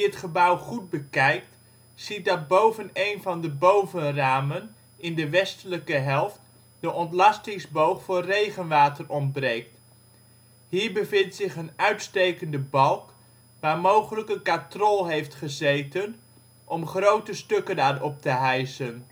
gebouw goed bekijkt, ziet dat boven één van de bovenramen in de westelijke helft de ontlastingsboog voor regenwater ontbreekt. Hier bevindt zich een uitstekende balk, waar mogelijk een katrol heeft gezeten om grote stukken aan op te hijsen